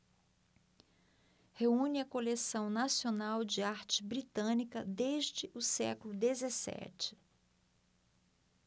reúne a coleção nacional de arte britânica desde o século dezessete